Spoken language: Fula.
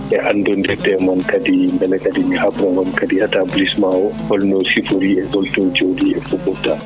e anndonndirde e mon kadi mbele kadi mi habra on kadi établissement holno sifori e holto jooɗi e fof tan